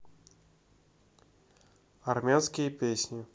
армейские песни